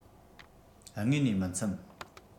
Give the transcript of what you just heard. དངོས ནས མི འཚམ